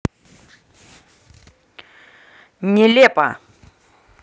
нелепо